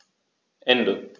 Ende.